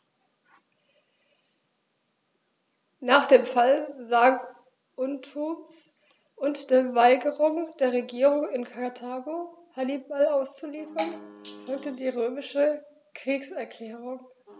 Nach dem Fall Saguntums und der Weigerung der Regierung in Karthago, Hannibal auszuliefern, folgte die römische Kriegserklärung.